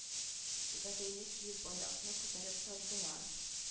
Түбәтәйне киеп байракны күтәреп тордылар